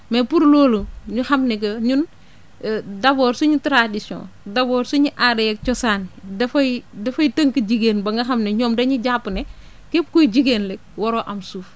mais pour loolu ñu xam ne que ñun d' abord suñu tradition d' abord suñu aada yeeg cosaan dafay dafay tënk jigéen ba nga xam ne ñoom dañuy jàpp ne képp kuy jigéen rek waroo am suuf